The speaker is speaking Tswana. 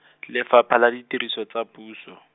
Lefapha la Ditiriso tsa Puso.